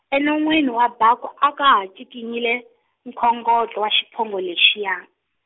enonweni wa baku a ka ha ncikinyile, nkongotlo wa xiphongo lexiya.